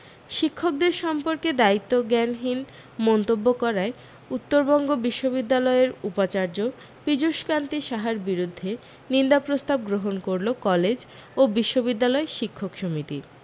শিক্ষকদের সম্পর্কে দায়িত্বজ্ঞানহীন মন্তব্য করায় উত্তরবঙ্গ বিশ্ববিদ্যালয়ের উপাচার্য পীযূষকান্তি সাহার বিরুদ্ধে নিন্দা প্রস্তাব গ্রহন করল কলেজ ও বিশ্ববিদ্যালয় শিক্ষক সমিতি